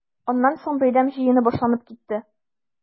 Аннан соң бәйрәм җыены башланып китте.